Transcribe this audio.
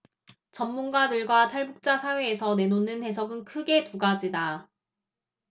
전문가들과 탈북자 사회에서 내놓는 해석은 크게 두 가지다